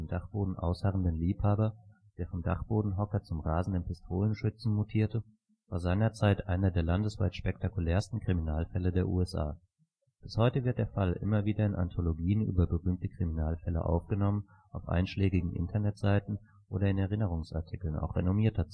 Dachboden ausharrenden Liebhaber, der vom Dachbodenhocker zum rasenden Pistolenschützen mutierte, war seinerzeit einer der landesweit spektakulärsten Kriminalfälle der USA. Bis heute wird der Fall immer wieder in Anthologien über berühmte Kriminalfälle aufgenommen, auf einschlägigen Internetseiten oder in Erinnerungsartikeln auch renommierter